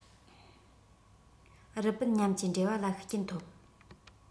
རི པིན མཉམ གྱི འབྲེལ བ ལ ཤུགས རྐྱེན ཐོབ